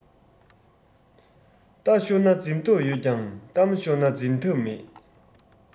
རྟ ཤོར ན འཛིན ཐབས ཡོད ཀྱང གཏམ ཤོར ན འཛིན ཐབས མེད